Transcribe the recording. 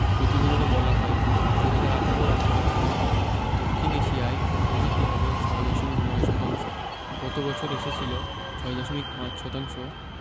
প্রতিবেদনে বলা হয় ২০১৮ অর্থবছরে দক্ষিণ এশিয়ায় প্রবৃদ্ধি হবে ৬.৯ শতাংশ গত বছর এসেছিল ৬.৫ শতাংশ